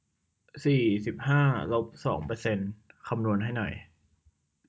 สี่สิบห้าลบสองเปอร์เซนต์คำนวณให้หน่อย